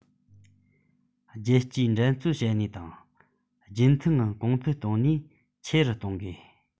རྒྱལ སྤྱིའི འགྲན རྩོད བྱེད ནུས དང རྒྱུན མཐུད ངང གོང འཕེལ གཏོང ནུས ཆེ རུ གཏོང དགོས